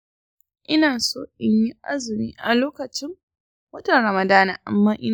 ina son inyi azumi a lokacin watan ramadana amma ina da ciwon suga.